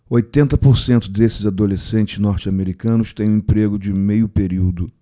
oitenta por cento desses adolescentes norte-americanos têm um emprego de meio período